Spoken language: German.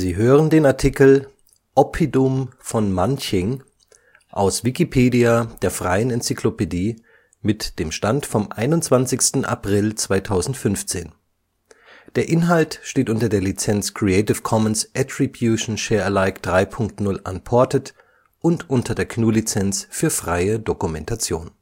hören den Artikel Oppidum von Manching, aus Wikipedia, der freien Enzyklopädie. Mit dem Stand vom Der Inhalt steht unter der Lizenz Creative Commons Attribution Share Alike 3 Punkt 0 Unported und unter der GNU Lizenz für freie Dokumentation